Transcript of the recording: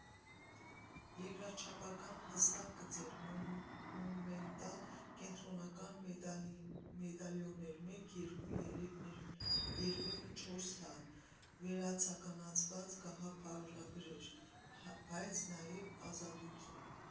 ֊ երկրաչափական հստակ գծեր, մոնումենտալ կենտրոնական մեդալիոններ՝ մեկ, երկու, երեք, երբեմն չորս հատ, վերացականացված գաղափարագրեր, բայց նաև ազատություն.